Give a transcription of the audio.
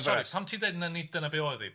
Sori pam ti'n ddeud na ni dyna be oedd hi?